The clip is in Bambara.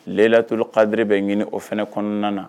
Latlo kaadi bɛ ɲini o fana kɔnɔna na